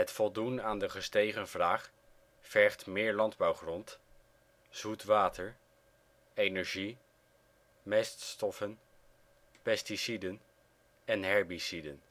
voldoen aan de gestegen vraag vergt meer landbouwgrond, zoet water, energie, meststoffen, pesticiden en herbiciden